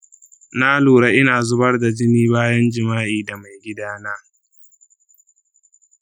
na lura ina zubar jini bayan jima’i da mai gida na.